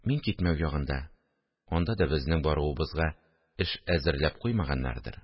– мин китмәү ягында, анда да безнең баруыбызга эш әзерләп куймаганнардыр